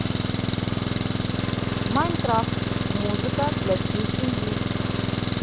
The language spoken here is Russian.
майнкрафт музыка для всей семьи